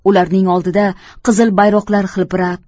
ularning oldida qizil bayroqlar hilpirab